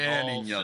Ie yn union.